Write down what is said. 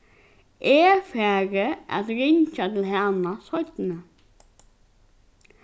eg fari at ringja til hana seinni